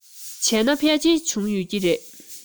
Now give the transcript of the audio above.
བྱས ན ཕལ ཆེར བྱུང ཡོད ཀྱི རེད